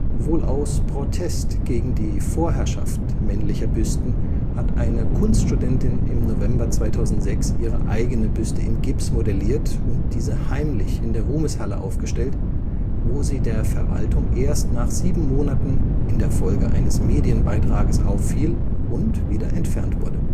Wohl aus Protest gegen die „ Vorherrschaft “männlicher Büsten hat eine Kunststudentin im November 2006 ihre eigene Büste in Gips modelliert und diese heimlich in der Ruhmeshalle aufgestellt, wo sie der Verwaltung erst nach sieben Monaten in der Folge eines Medienbeitrages auffiel und wieder entfernt wurde